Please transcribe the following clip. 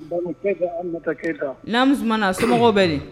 Ba Oumou Keita, Aminata keita, Naamu,. Zoumana, somɔgɔw bɛ di?